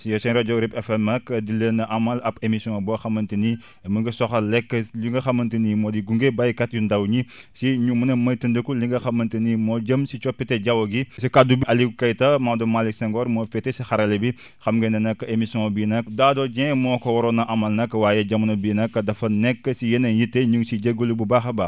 ci seen rajo RIP FM nag di leen amal ab émission boo xamante ni mu ngi soxal rek li nga xamante ni moo di gunge béykat yu ndaw ñi si ñu mun a moytandiku li nga xamante ni moo jëm si coppite jaww ji si kaddu bi Aliou Keita Maodo Malick Senghor moo féete ci xarale bi xam nga ne nag émission bi nag Dado Dieng moo ko waroon a amal nag waaye jamono bii nag dafa nekk si yeneen yitte ñu ngi siy jégalu bu baax a baax